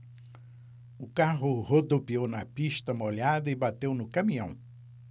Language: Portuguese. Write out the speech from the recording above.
o carro rodopiou na pista molhada e bateu no caminhão